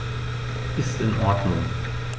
Ist in Ordnung.